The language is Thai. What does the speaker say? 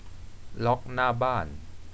ล็อคหน้าบ้าน